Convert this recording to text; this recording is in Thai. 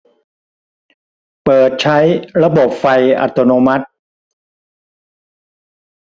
เปิดใช้ระบบไฟอัตโนมัติ